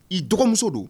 I dɔgɔmuso don.